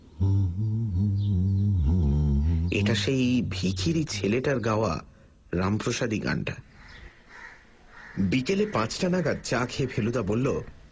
এটা সেই ভিখিরি ছেলেটার গাওয়া রামপ্রসাদী গানটা বিকেলে পাঁচটা নাগাত চা খেয়ে ফেলুদা বলল